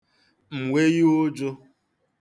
m̀weyi ụjụ̄